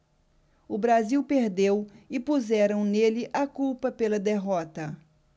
o brasil perdeu e puseram nele a culpa pela derrota